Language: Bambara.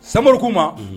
Sa amaduri' ma